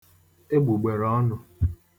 egbùgbèrèọnụ̄